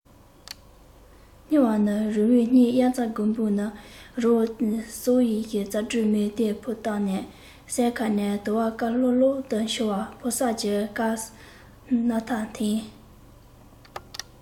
སྙི བ ནི རི བོའི སྙིང དབྱར རྩྭ དགུན འབུ ནི རི བོའི སྲོག ཡིན ཙག སྒྲའི མེ དེར ཕུ བཏབ ནས བསད ཁ ནས དུ བ དཀར ལྷོག ལྷོག ཏུ འཕྱུར བ ཕོ གསར གྱི སྐབས སུ སྣ ཐ འཐེན